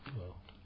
waaw